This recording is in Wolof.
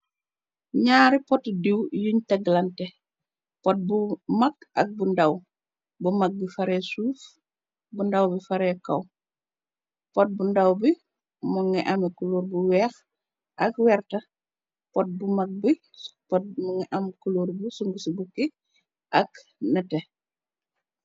Ñaari poti diw yun tek lanteh , pot bu mak ak bu ndaw, bu mak bi fareh suuf bu ndaw bi fareh kaw. Pot bu ndaw bi mugii ameh kulorr bu wèèx ak werta. Pot bu mak bi mugii kulorr bu sun'ngufi ci bukki ak netteh.